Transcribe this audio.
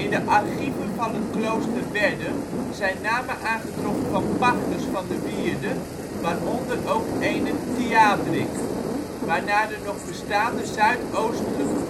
de archieven van het klooster Werden zijn namen aangetroffen van pachters van de wierde, waaronder ook ene Tiadrik, waarnaar de nog bestaande zuidoostelijke